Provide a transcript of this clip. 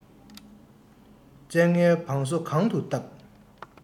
བཙན ལྔའི བང སོ གང དུ བཏབ